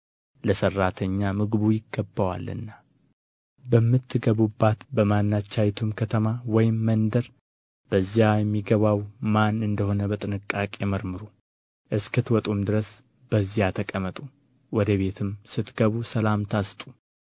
ለሠራተኛ ምግቡ ይገባዋልና በምትገቡባትም በማናቸይቱም ከተማ ወይም መንደር በዚያ የሚገባው ማን እንደ ሆነ በጥንቃቄ መርምሩ እስክትወጡም ድረስ በዚያ ተቀመጡ ወደ ቤትም ስትገቡ ሰላምታ ስጡ